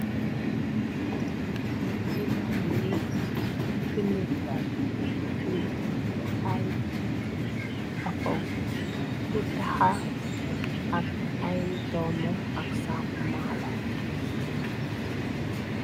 Nital yu negk lu fi nekk fi ay papo lu taxa ak ay domam ak saaku malo.